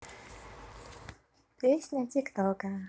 песня тик тока